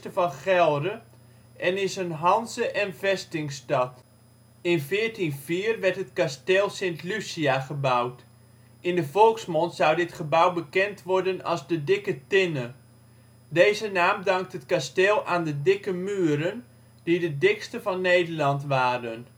van Gelre en is een Hanze - en vestingstad. In 1404 werd het kasteel St. Lucia gebouwd. In de volksmond zou dit gebouw bekend worden als " de dikke tinne ". Deze naam dankt het kasteel aan de dikke muren, die de dikste van Nederland waren